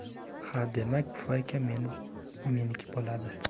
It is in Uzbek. ha demak pufayka meniki bo'ladi